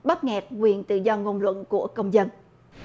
bóp nghẹt quyền tự do ngôn luận của công dân